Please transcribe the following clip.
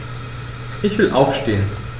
Ich will aufstehen.